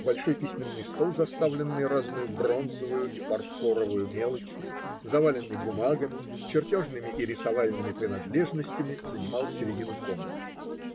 Большой письменный стол, заставленный разною бронзового и фарфорового мелочью, заваленный бумагами, чертежными и рисовальными принадлежностями, занимал середину комнаты.